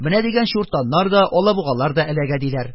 Менә дигән чуртаннар да, алабугалар да эләгә... - диләр.